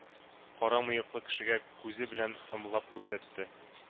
Кара мыеклы кешегә күзе белән ымлап күрсәтте